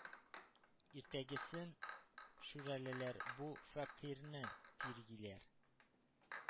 Иртәгесен шүрәлеләр бу фәкыйрьне тиргиләр: